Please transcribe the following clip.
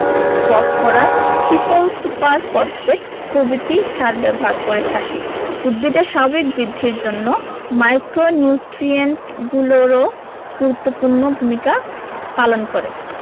phosphorus triple super phosphate প্রভৃতি সার ব্যবহার করে থাকি উদ্ভিদের স্বাভাবিক বৃদ্ধির জন্য মাইক্রোনিউট্রিয়েন্টগুলোরও গুরুত্বপূর্ণ ভূমিকা পালন করে